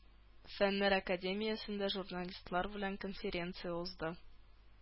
Фәннәр академиясендә журналистлар белән конференция узды.